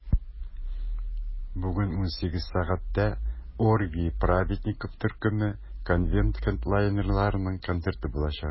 Бүген 18 сәгатьтә "Оргии праведников" төркеме - конвент хедлайнерларының концерты булачак.